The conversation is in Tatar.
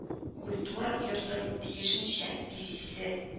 Культура йортын тиешенчә бизисе